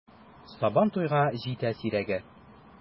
Сабан туйга җитә сирәге!